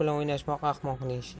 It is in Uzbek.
yurt bilan o'ynashmoq ahmoqning ishi